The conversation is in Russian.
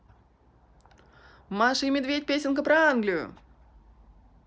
маша и медведь песенка про англию